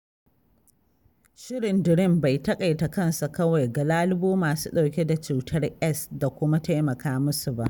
Shirin DREAM bai taƙaita kansa kawai ga lalubo masu ɗauke da cutar Es da kuma taimaka musu ba.